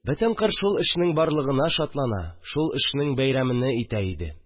Бөтен кыр шул эшнең барлыгына шатлана, шул эшнең бәйрәмене итә иде